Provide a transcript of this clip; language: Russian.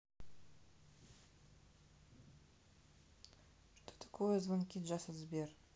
что такое звонки джаз от сбер